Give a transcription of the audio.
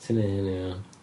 Ti'n neud hynny o...